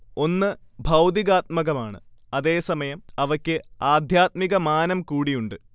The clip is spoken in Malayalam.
ഒന്ന് ഭൗതികാത്മികമാണ്, അതേസമയം, അവയ്ക്ക് ആധ്യാത്മികമാനം കൂടിയുണ്ട്